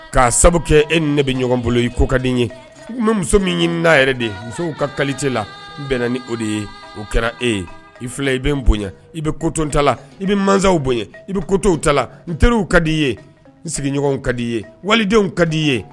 K'a sabu kɛ e ni ne bɛ ɲɔgɔn bolo i ko ka di n ye bɛ muso min ɲini n'a yɛrɛ de musow ka kalilite la n bɛn ni o de ye o kɛra e ye i fila i bɛ n bonya i bɛ kot ta la i bɛ mansaw bonya i bɛ kotow ta la n teriw ka di i ye n sigiɲɔgɔnw ka di i ye walidenw ka d di i ye